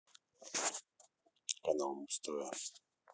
канал муз тв